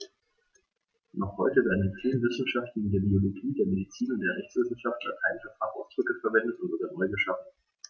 Noch heute werden in vielen Wissenschaften wie der Biologie, der Medizin und der Rechtswissenschaft lateinische Fachausdrücke verwendet und sogar neu geschaffen.